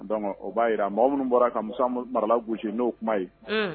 O b'a jira mɔgɔ minnu bɔra ka mu marala gosisi n'o kuma ye